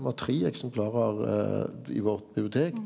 me har tre eksemplar i vårt bibliotek.